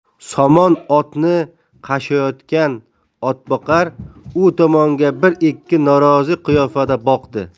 saman otni qashlayotgan otboqar u tomonga bir ikki norozi qiyofada boqdi